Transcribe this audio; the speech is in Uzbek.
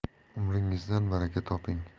umringizdan baraka toping